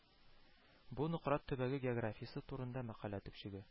Бу Нократ төбәге географиясе турында мәкалә төпчеге